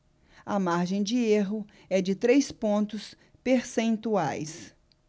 a margem de erro é de três pontos percentuais